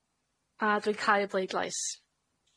A dwi'n cau y bleidlais.